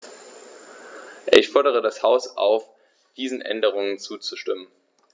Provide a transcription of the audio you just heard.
Ich fordere das Haus auf, diesen Änderungen zuzustimmen.